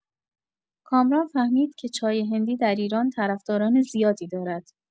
کامران فهمید که چای هندی در ایران طرفداران زیادی دارد.